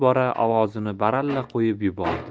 ovozini baralla qo'yib yubordi